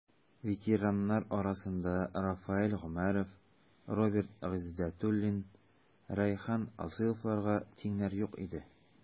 Ветераннар арасында Рафаэль Гомәров, Роберт Гыйздәтуллин, Рәйхан Асыловларга тиңнәр юк иде.